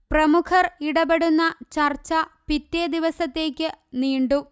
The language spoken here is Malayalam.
പ്രമുഖർ ഇടപെടുന്ന ചർച്ച പിറ്റേ ദിവസത്തേക്ക് നീണ്ടു